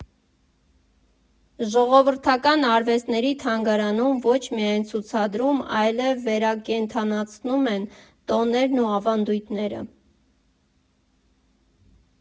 Ժողովրդական արվեստների թանգարանում ոչ միայն ցուցադրում, այլև վերակենդանացնում են տոներն ու ավանդույթները։